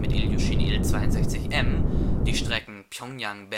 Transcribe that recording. Iljuschin Il-62M die Strecken Pjöngjang